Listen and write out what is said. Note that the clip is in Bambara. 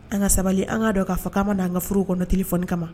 An ŋa sabali an ŋa dɔn k'a fɔ k'an ma na an ka furuw kɔnɔ téléphone kama